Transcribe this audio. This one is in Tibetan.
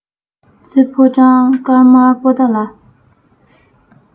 རྩེ ཕོ བྲང དཀར དམར པོ ཏ ལ